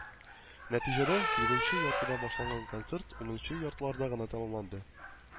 Нәтиҗәдә, сигезенче яртыда башланган концерт унынчы яртыларда гына тәмамланды.